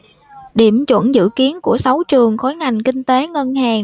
điểm chuẩn dự kiến của sáu trường khối ngành kinh tế ngân hàng